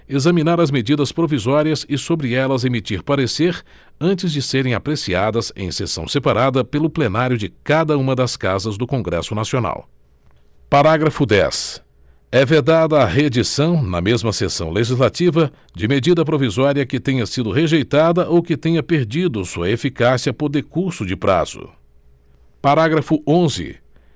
examinar as medidas provisórias e sobre elas emitir parecer antes de serem apreciadas em sessão separada pelo plenário de cada uma das casas do congresso nacional parágrafo dez é vedada a reedição na mesma sessão legislativa de medida provisória que tenha sido rejeitada ou que tenha perdido sua eficácia por decurso de prazo parágrafo onze